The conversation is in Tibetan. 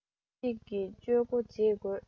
དབྱེ ཞིག ཀྱི དཔྱོད སྒོ འབྱེད དགོས